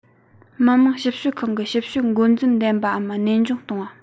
མི དམངས ཞིབ དཔྱོད ཁང གི ཞིབ དཔྱོད འགོ འཛིན འདེམས པའམ གནས དབྱུང གཏོང བ